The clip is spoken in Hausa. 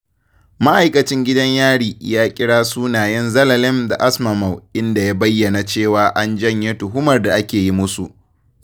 Ma'aikacin gidan Yari ya kira sunayen Zelalem da Asmamaw, inda ya bayyana cewa an janye tuhumar da ake yi musu.